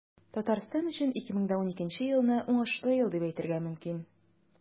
Татарстан өчен 2012 елны уңышлы ел дип әйтергә мөмкин.